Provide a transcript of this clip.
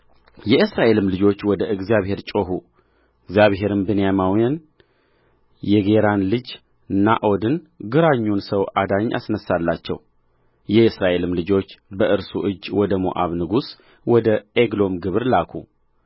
የእስራኤልም ልጆች ወደ እግዚአብሔር ጮኹ እግዚአብሔርም ብንያማዊውን የጌራን ልጅ ናዖድን ግራኙን ሰው አዳኝ አስነሣላቸው የእስራኤልም ልጆች በእርሱ እጅ ወደ ሞዓብ ንጉሥ ወደ ዔግሎም ግብር ላኩ